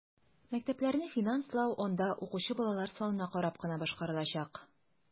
Мәктәпләрне финанслау анда укучы балалар санына карап кына башкарылачак.